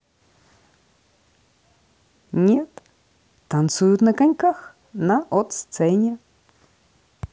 нет танцуют на коньках на от сцене